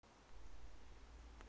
иностранная детская песня с зайчиком